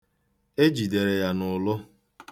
E jidere ya n'ụlụ.